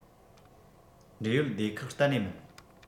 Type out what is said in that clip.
འབྲེལ ཡོད སྡེ ཁག གཏན ནས མིན